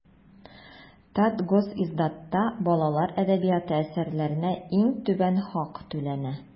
Татгосиздатта балалар әдәбияты әсәрләренә иң түбән хак түләнә.